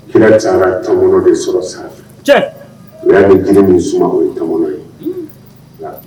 Kira taara tɔŋɔnɔn de sɔrɔ sanfɛ cɛn u y'a ni jiri min suman o ye tɔŋɔnɔn ye huun ŋa